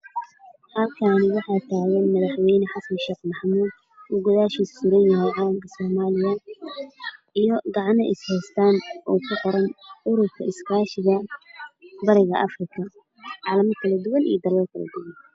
Halkaan waxa tagan madaxwaynaha xasan sheeg oo gadaashiisa suran yahay calanka somaliya ee gacmaha is haystaan ururka iskaashiga bariga afrika calamo kala duwan iyo dalal kala duwan